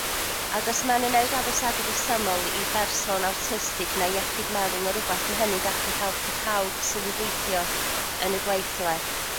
Ag os ma' nw'n neud addasiadau resymol i berson awtistig neu iechyd meddwl ne' rwbath ma' hynny'n gallu helpu pawb sydd yn gweithio yn y gweithle.